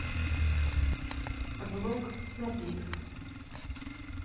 влог напитка